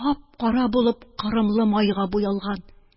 кап-кара булып корымлы майга буялган...